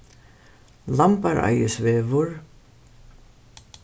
lambareiðisvegur